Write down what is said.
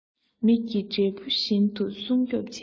མིག གི འབྲས བུ བཞིན དུ སྲུང སྐྱོབ བྱས